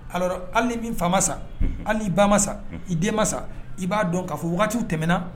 Alors Hali ni min fa sa, hali n'i ba ma sa, unhun, i den ma sa, unhun, i b'a dɔn k'a fɔ ko waati tɛmɛna, unhun